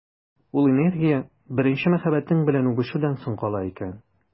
Ул энергия беренче мәхәббәтең белән үбешүдән соң кала икән.